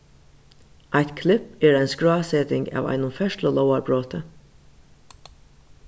eitt klipp er ein skráseting av einum ferðslulógarbroti